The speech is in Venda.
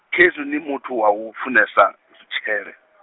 khezwi ni muthu wau, funesa, zwitshele?